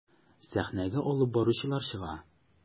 Сәхнәгә алып баручылар чыга.